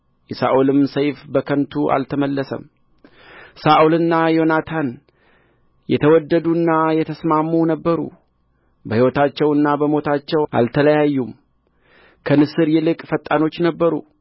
የሳኦልም ሰይፍ በከንቱ አልተመለሰም ሳኦልና ዮናታን የተዋደዱና የተስማሙ ነበሩ በሕይወታቸውና በሞታቸው አልተለያዩም ከንስር ይልቅ ፈጣኖች ነበሩ